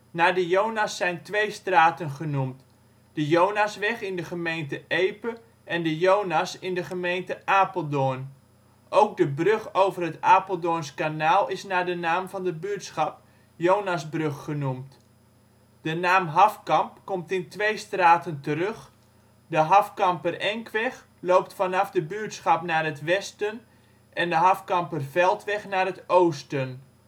Naar De Jonas zijn twee straten genoemd. De Jonasweg in de gemeente Epe en de Jonas in de gemeente Apeldoorn. Ook de brug over het Apeldoorns kanaal is naar de naam van de buurtschap Jonasbrug genoemd. De naam Hafkamp komt in twee straten terug: de Hafkamperenkweg loopt vanaf de buurtschap naar het westen en de Hafkamperveldweg naar het oosten